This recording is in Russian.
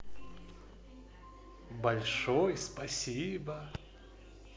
большой спасибо